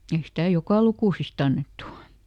ei sitä joka lukusista annettu